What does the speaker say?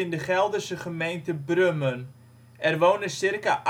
de Gelderse gemeente Brummen, wonen circa